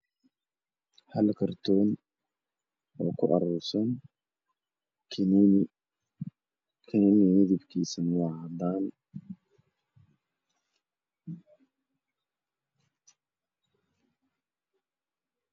Waxaa ii muuqdo kaniin ku jiro kartoon midabkiisa iyo waa caddan kartoonka midabkiisa